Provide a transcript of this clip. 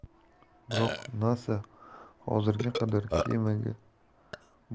biroq nasa hozirga qadar kemaga bortida